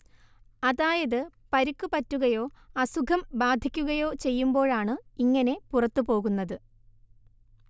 അതായത് പരിക്കു പറ്റുകയോ അസുഖം ബാധിക്കുകയോ ചെയ്യുമ്പോഴാണ് ഇങ്ങനെ പുറത്തുപോകുന്നത്